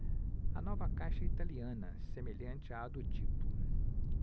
a nova caixa é italiana semelhante à do tipo